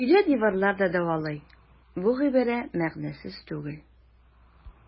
Өйдә диварлар да дәвалый - бу гыйбарә мәгънәсез түгел.